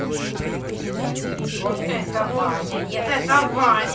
вот это ваня нет это ваня